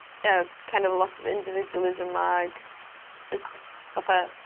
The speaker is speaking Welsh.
ie kind of a lot of individualism ag jyst fatha